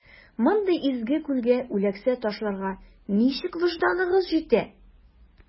Мондый изге күлгә үләксә ташларга ничек вөҗданыгыз җитә?